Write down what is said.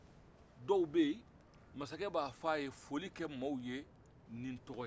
dɔw bɛ yen masakɛ b'a fɔ ye foli kɛ mɔgɔw ye ni n tɔgɔ ye